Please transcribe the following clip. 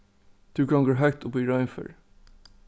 tú gongur høgt upp í reinføri